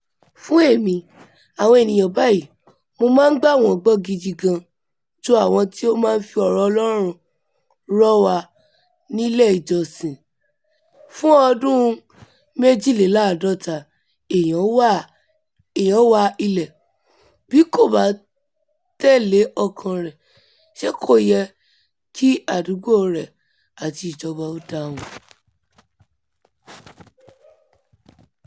Fún èmi, àwọn ènìyàn báyìí, mo máa ń gbà wọ́n gbọ́ gidi gan-an, ju àwọn tí ó máa ń fi ọ̀rọ̀ Ọlọ́run [rọ] wá nílé ìjọsìn, fún ọdún 52 èèyàn-án wa ilẹ̀ — bí kò bá tẹ̀lé ọkàn-an rẹ̀, ṣé kò yẹ kí àdúgbòo rẹ̀ àti ìjọba ó dá a mọ̀?